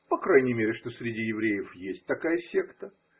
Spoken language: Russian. по крайней мере, что среди евреев есть такая секта.